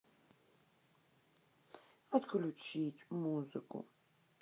отключить музыку